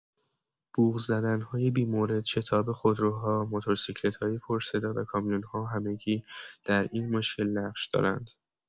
بوق زدن‌های بی‌مورد، شتاب خودروها، موتورسیکلت‌های پرصدا و کامیون‌ها همگی در این مشکل نقش دارند.